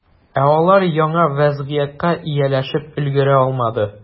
Ә алар яңа вәзгыятькә ияләшеп өлгерә алмады.